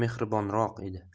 o'ziga mehribonroq edi